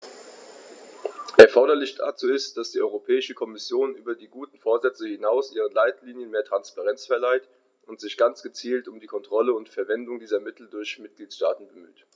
Erforderlich dazu ist, dass die Europäische Kommission über die guten Vorsätze hinaus ihren Leitlinien mehr Transparenz verleiht und sich ganz gezielt um die Kontrolle der Verwendung dieser Mittel durch die Mitgliedstaaten bemüht.